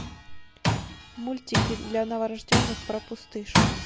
мультики для новорожденных про пустышку